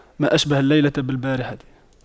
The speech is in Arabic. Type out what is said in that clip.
ما أشبه الليلة بالبارحة